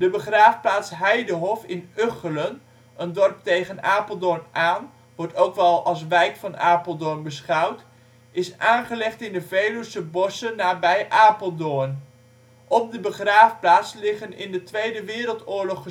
begraafplaats Heidehof in Ugchelen (een dorp tegen Apeldoorn aan; wordt ook wel als wijk van Apeldoorn beschouwd) is aangelegd in de Veluwse bossen nabij Apeldoorn. Op de begraafplaats liggen in de Tweede Wereldoorlog